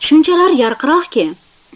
shunchalar yarqiroqki